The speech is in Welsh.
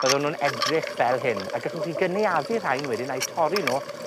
byddwn nw'n edrych fel hyn. A gachwch chi gynaeafu rhain wedyn au torri n'w